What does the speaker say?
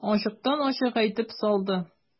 Ачыктан-ачык әйтеп салды.